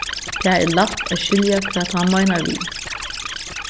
tað er lætt at skilja hvat hann meinar við